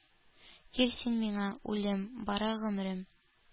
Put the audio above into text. Кил син миңа, үлем, бары гомрем